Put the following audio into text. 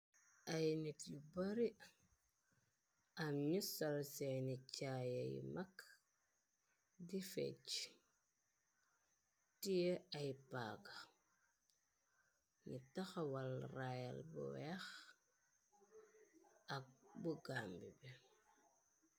Ay nit yu bari am nu sal seeni caaye yi mag di fec tie ay paaga. Ni taxawal raayal bu weex ak bu gambi bi.